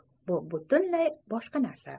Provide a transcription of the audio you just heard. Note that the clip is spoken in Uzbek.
bu butunlay boshqa narsa